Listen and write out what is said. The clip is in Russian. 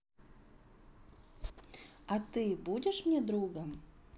а ты будешь мне другом